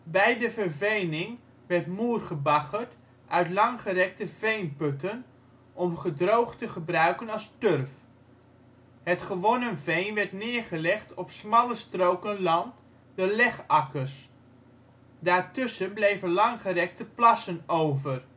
Bij de vervening werd moer gebaggerd uit lang gerekte veenputten om gedroogd te gebruiken als turf. Het gewonnen veen werd neergelegd op smalle stroken land, de legakkers. Daartussen bleven langgerekte plassen over